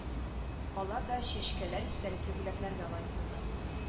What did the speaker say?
Алар да чәчкәләр истәлекле бүләкләргә лаек булды